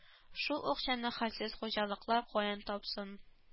Шул акчаны хәлсез хуҗалыклар каян тапсын